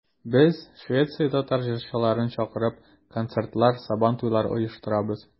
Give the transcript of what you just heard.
Без, Швециягә татар җырчыларын чакырып, концертлар, Сабантуйлар оештырабыз.